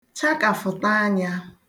chakàfụ̀ta anyā